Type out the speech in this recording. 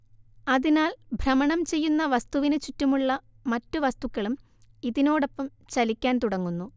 അതിനാൽ ഭ്രമണം ചെയ്യുന്ന വസ്തുവിനു ചുറ്റുമുള്ള മറ്റു വസ്തുക്കളും ഇതിനോടൊപ്പം ചലിക്കാൻ തുടങ്ങുന്നു